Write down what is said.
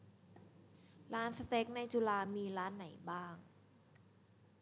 ร้านสเต็กในจุฬามีร้านไหนบ้าง